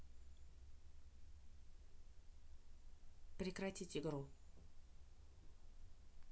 прекратить игру